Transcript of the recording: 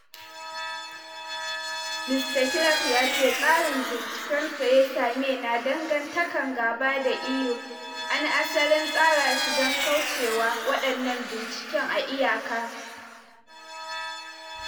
Mr Clark ya ce tsarin binciken Theresa May na dagantakan gaba da EU an “asalin tsara shi dan kauce wa waɗannan binciken a iyaka.”